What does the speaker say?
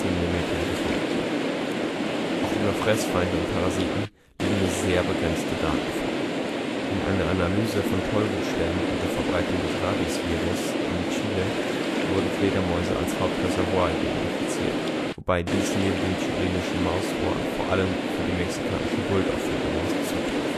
Millimetern gefunden. Auch über Freßfeinde und Parasiten liegen nur sehr begrenzte Daten vor. In einer Analyse von Tollwut-Stämmen und der Verbreitung des Rabiesvirus in Chile wurden Fledermäuse als Hauptreservoir identifiziert, wobei dies neben dem Chilenischen Mausohr vor allem für die Mexikanische Bulldoggfledermaus zutrifft